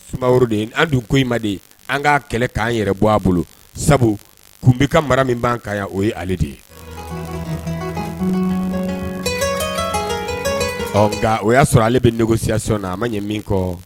Sumaworoden an dun ko inmadi an k'a kɛlɛ k'an yɛrɛ bɔ a bolo sabu kunbi ka mara min kan ka o ye ale de ye nka o y'a sɔrɔ ale bɛ nɛgɛsiyasɔn na a ma ɲɛ min kɔ